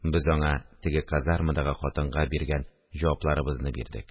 Без аңа теге казармадагы хатынга биргән җавапларыбызны бирдек